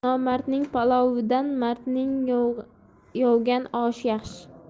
nomardning palovidan mardning yovg'on oshi yaxshi